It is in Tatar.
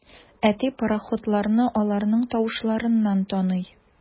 Әти пароходларны аларның тавышларыннан таный.